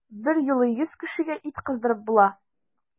Берьюлы йөз кешегә ит кыздырып була!